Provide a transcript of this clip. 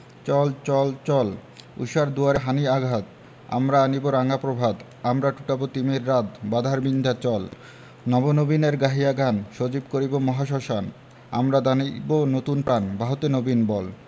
চল চল চল ঊষার দুয়ারে হানি' আঘাত আমরা আনিব রাঙা প্রভাত আমরা টুটাব তিমির রাত বাধার বিন্ধ্যাচল নব নবীনের গাহিয়া গান সজীব করিব মহাশ্মশান আমরা দানিব নতুন প্রাণ বাহুতে নবীন বল